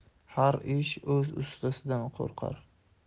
har ish o'z ustasidan qo'rqar